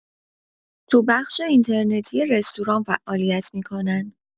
تو بخش اینترنتی رستوران فعالیت می‌کنن